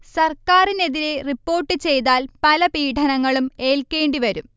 സർക്കാരിനെതിരെ റിപ്പോർട്ട് ചെയ്താൽ പല പീഡനങ്ങളും ഏൽക്കേണ്ടിവരും